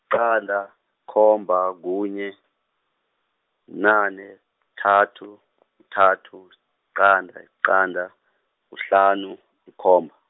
qanda, khomba, kunye, nane, kuthathu, kuthathu, qanda, qanda, kuhlanu, yikomba.